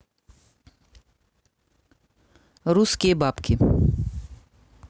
русские бабки